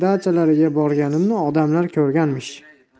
dachalariga borganimni odamlar ko'rganmish